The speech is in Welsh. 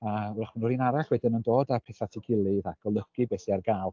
A wrach bydd rywun arall wedyn yn dod â pethau at ei gilydd a golygu beth sy ar gael.